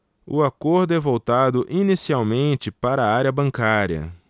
o acordo é voltado inicialmente para a área bancária